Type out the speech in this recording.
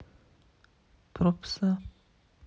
про пса